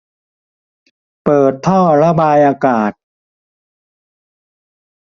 เปิดท่อระบายอากาศ